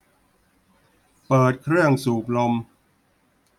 เปิดเครื่องสูบลม